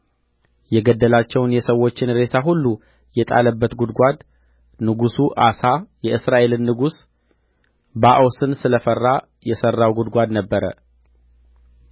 የገደላቸውን የሰዎች ሬሳ ሁሉ የጣለበት ጕድጓድ ንጉሡ አሳ የእስራኤልን ንጉሥ ባኦስን ስለ ፈራ የሠራው ግውድጓድ ነበረ